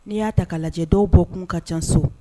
Ni y'a ta ka lajɛ dɔw bɔkun ka ca so.